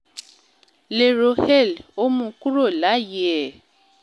Lérò Hale, “Ó mu kúrò láyé ẹ̀.”